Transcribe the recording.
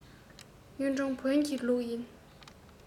གཡུང དྲུང བོན གྱི ལུགས ཡིན